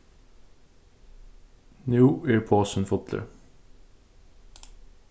nú er posin fullur